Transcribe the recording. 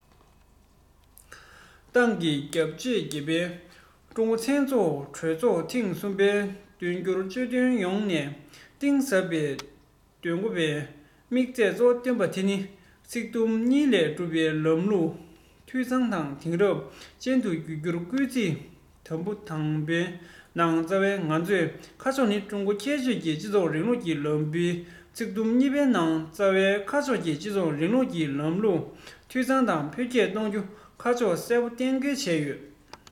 ཏང གི སྐབས བཅོ བརྒྱད པའི ཀྲུང ཨུ ཚང འཛོམས གྲོས ཚོགས ཐེངས གསུམ པའི ཐོག སྒྱུར བཅོས ཁྱོན ཡོངས ནས གཏིང ཟབ ཏུ གཏོང དགོས པའི དམིགས ཚད གཙོ བོ བཏོན པ དེ ནི ཚིག དུམ གཉིས ལས གྲུབ པའི ལམ ལུགས འཐུས ཚང དང དེང རབས ཅན དུ འགྱུར རྒྱུར སྐུལ ཚིག དུམ དང པོའི ནང རྩ བའི ང ཚོའི ཁ ཕྱོགས ནི ཀྲུང གོའི ཁྱད ཆོས ཀྱི སྤྱི ཚོགས རིང ལུགས ཀྱི ལམ བུའི ཚིག དུམ གཉིས པའི ནང རྩ བའི ཁ ཕྱོགས ཀྱི སྤྱི ཚོགས རིང ལུགས ལམ ལུགས འཐུས ཚང དང འཕེལ རྒྱས གཏོང རྒྱུའི ཁ ཕྱོགས གསལ པོ གཏན འཁེལ བྱས ཡོད